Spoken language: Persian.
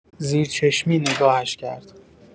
زیر چشمی نگاهش کرد.